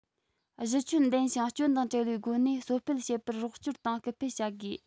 གཞི ཁྱོན ལྡན ཞིང སྐྱོན དང བྲལ བའི སྒོ ནས གསོ སྤེལ བྱེད པར རོགས སྐྱོར དང སྐུལ སྤེལ བྱ དགོས